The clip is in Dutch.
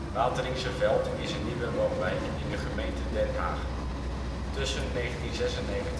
Wateringse Veld is een nieuwe woonwijk in de gemeente Den Haag. Tussen 1996 en 2009